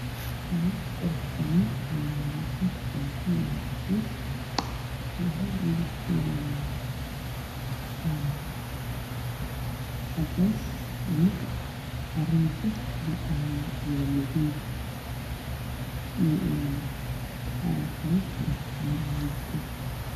Waa kabo naageed oo saaran meel cadeys ah midabkoodu waa cadeys ama oranji, dhexdana waa madow.